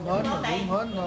ngon